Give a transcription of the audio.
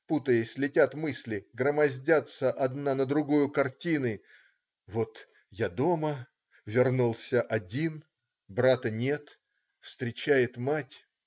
Путаясь, летят мысли, громоздятся одна на другую картины. "Вот я дома. вернулся один. брата нет. встречает мать.